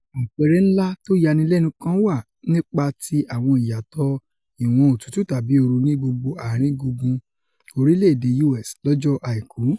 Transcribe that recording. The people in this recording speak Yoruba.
Àpẹẹrẹ ńlá tóyanilẹ́nu kan wà nípa ti àwọn ìyàtọ̀ ìwọ̀n otútù tàbí ooru ní gbogbo ààrin gùngùn orílẹ̀-èdè U.S. lọ́jọ́ Àìkú.